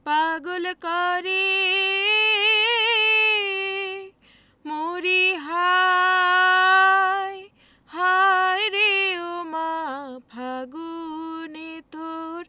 পাগল করে মরি হায় হায় রে ও মা ফাগুনে তোর